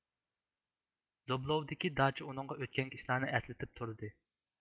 زوبلوۋدىكى داچا ئۇنىڭغا ئۆتكەنكى ئىشلارنى ئەسلىتىپ تۇردى